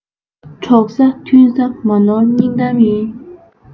འགྲོགས ས མཐུན ས མ ནོར སྙིང གཏམ ཡིན